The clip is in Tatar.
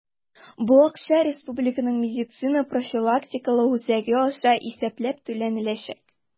Бу акча Республиканың медицина профилактикалау үзәге аша исәпләп түләнеләчәк.